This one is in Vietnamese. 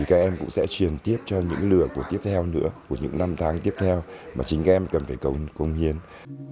các em cũng sẽ chuyển tiếp cho những lứa tiếp theo nữa của những năm tháng tiếp theo mà chính cá em cần phải cống cống hiến